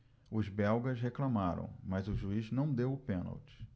os belgas reclamaram mas o juiz não deu o pênalti